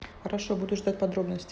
хорошо буду ждать подробностей